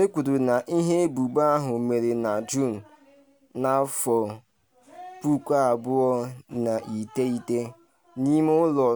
Ekwuru na ihe ebubo ahụ mere na Juun 2009 n’ime ụlọ